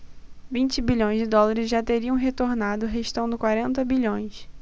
vinte bilhões de dólares já teriam retornado restando quarenta bilhões